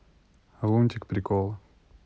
лунтик приколы